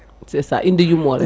c' est ça inde yumma o rek